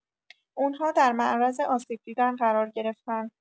اون‌ها در معرض آسیب دیدن قرار گرفتن